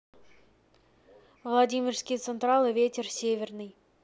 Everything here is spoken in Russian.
владимирский централ и ветер северный